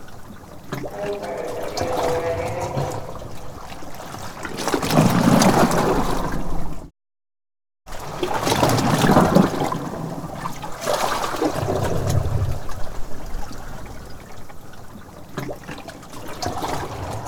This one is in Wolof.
Xalèh tagat kati yaram ya ngeh dem tukki.